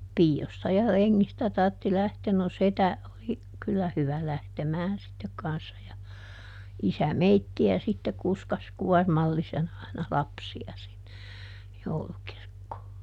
piioista ja rengistä tarvitsi lähteä no setä oli kyllä hyvä lähtemään sitten kanssa ja isä meitä sitten kuskasi kuormallisen aina lapsia sinne joulukirkkoon